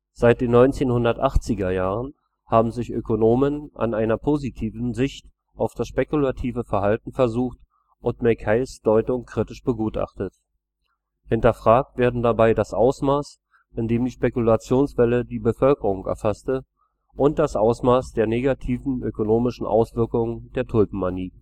Seit den 1980er Jahren haben sich Ökonomen an einer positiveren Sicht auf das spekulative Verhalten versucht und Mackays Deutung kritisch begutachtet. Hinterfragt werden dabei das Ausmaß, in dem die Spekulationswelle die Bevölkerung erfasste, und das Ausmaß der negativen ökonomischen Auswirkungen der Tulpenmanie